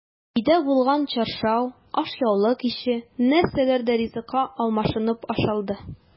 Өйдә булган чаршау, ашъяулык ише нәрсәләр дә ризыкка алмашынып ашалды.